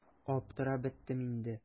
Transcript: Аптырап беттем инде.